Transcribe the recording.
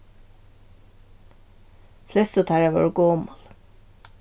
flestu teirra vóru gomul